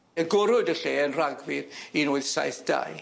Agorwyd y lle yn Rhagfyr un wyth saith dau.